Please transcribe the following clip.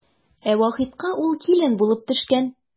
Ә Вахитка ул килен булып төшкән.